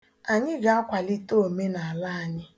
Anỵi ga-akwalite omenaala anyị